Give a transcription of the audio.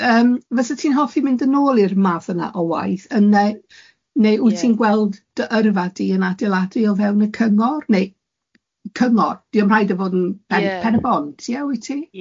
yym fyset ti'n hoffi mynd yn ôl i'r math yna o waith, yna neu wyt ti'n gweld dy yrfa di yn adeiladu o fewn y cyngor, neu cyngor, dio'm rhaid o fod yn... Ie. ...pen- Pen y Bont, ie wyt ti?